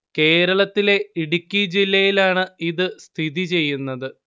കേരളത്തിലെ ഇടുക്കി ജില്ലയിലാണ് ഇത് സ്ഥിതി ചെയ്യുന്നത്